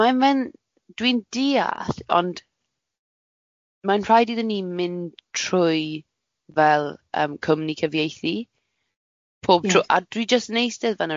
mae'n mae'n dwi'n diall ond mae'n rhaid iddyn ni mynd trwy fel yym cwmni cyfieithu pob trw- a dwi jyst yn eistedd fan'na,